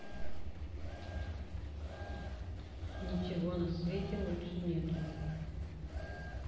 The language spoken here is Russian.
ничего на свете лучше нету